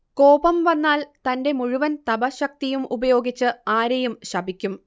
കോപം വന്നാൽ തന്റെ മുഴുവൻ തപഃശക്തിയും ഉപയോഗിച്ച് ആരെയും ശപിക്കും